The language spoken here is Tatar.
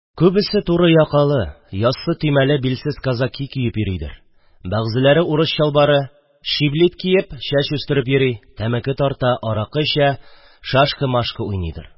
Күбесе туры якалы, яссы төймәле билсез кәзәки киеп йөридер, бәгъзеләре урыс чалбары, шиблит киеп, чәч үстереп йөри, тәмәке тарта, аракы эчә, шашкы-машкы уйныйдыр